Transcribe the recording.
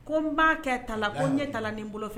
Ko n b'akɛ taa la ko n ɲɛ taa ni n bolo fɛn ye